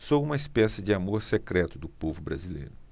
sou uma espécie de amor secreto do povo brasileiro